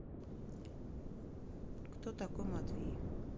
кто такой матвей